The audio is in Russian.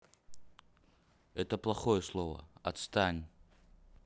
это плохое слово отстань